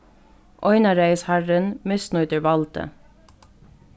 einaræðisharrin misnýtir valdið